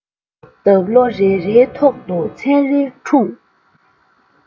འདབ ལོ རེ རེའི ཐོག ཏུ མཚན རེ འཁྲུངས